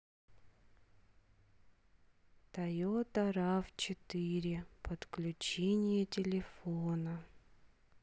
тойота рав четыре подключение телефона